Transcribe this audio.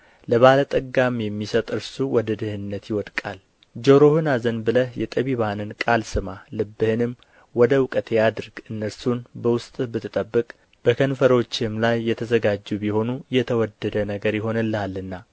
ለባለጠጋም የሚሰጥ እርሱ ወደ ድህነት ይወድቃል ጆሮህን አዘንብለህ የጠቢባንን ቃላት ስማ ልብህንም ወደ እውቀቴ አድርግ እነርሱን በውስጥህ ብትጠብቅ በከንፈሮችህም ላይ የተዘጋጁ ቢሆኑ የተወደደ ነገር ይሆንልሃልና